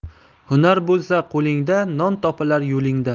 hunar bo'lsa qo'lingda non topilar yo'lingda